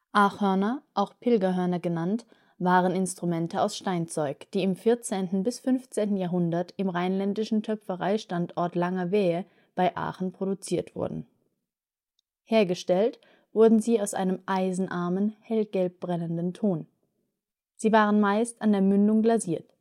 Aachhörner, auch „ Pilgerhörner “genannt, waren Instrumente aus Steinzeug, die im 14. bis 15. Jahrhundert im rheinländischen Töpfereistandort Langerwehe bei Aachen produziert wurden. Hergestellt wurden sie aus einem eisenarmen, hellgelb brennenden Ton. Sie waren meist an der Mündung glasiert